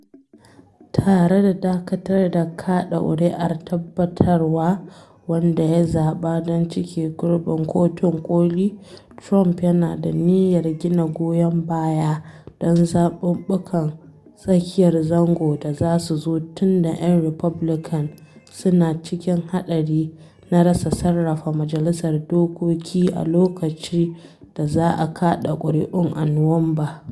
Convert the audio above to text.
Tare da dakatar da kada kuri’ar tabbatarwa wanda ya zaba don cike gurbin Kotun Koli, Trump yana da niyyar gina goyon baya don zabubbukan tsakiyar zango da za su zo tun da ‘yan Republican suna cikin hadari na rasa sarrafa Majalisar Dokoki a lokaci da za a kada kuri’un a Nuwamba.